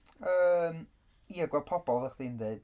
Yym ia gweld pobl fel oedda chdi'n deud.